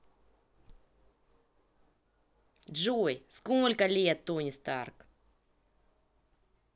джой сколько лет тони старк